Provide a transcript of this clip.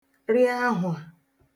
rị ahwà